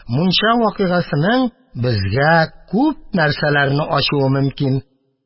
Мунча вакыйгасының безгә күп нәрсәләрне ачуы мөмкин.